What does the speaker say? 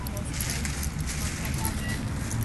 a fel ti'n deud ma'r gwrandawyr